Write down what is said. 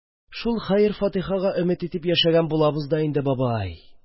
– шул хәер-фатихага өмет итеп яшәгән булабыз да инде, бабай..